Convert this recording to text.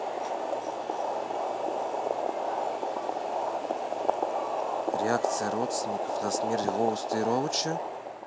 реакция родственников на смерть гоуста и роуча